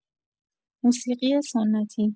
موسیقی سنتی